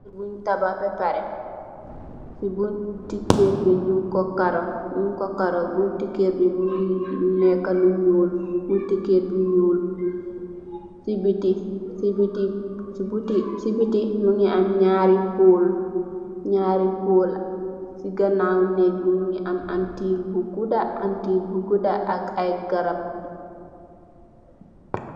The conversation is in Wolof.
Lun tabax ba pareh si bunti keur bi nyun ko karu nyun ko karu bonti keur mogi neka lu nuul bonti keur bu nuul sibeti sebeti mogi am naari poll si ganaw neeg bi mogi am antenn bu guda antenn bu guda ak ay garab.